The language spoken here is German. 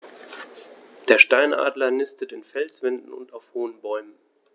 Der Steinadler nistet in Felswänden und auf hohen Bäumen.